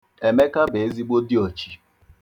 Emeka bụ ezigbo diochi.